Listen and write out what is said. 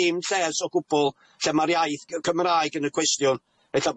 dim lles o gwbwl lle ma'r iaith Cymraeg yn y cwestiwn ella